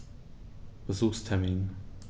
Besuchstermin